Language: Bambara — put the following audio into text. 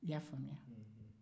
i y'a faamuya